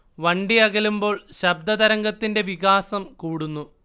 വണ്ടി അകലുമ്പോൾ ശബ്ദതരംഗത്തിന്റെ വികാസം കൂടുന്നു